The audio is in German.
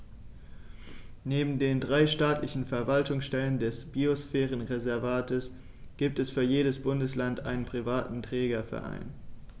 Neben den drei staatlichen Verwaltungsstellen des Biosphärenreservates gibt es für jedes Bundesland einen privaten Trägerverein.